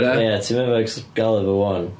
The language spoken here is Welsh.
Ia, ti'm efo Excalibur One.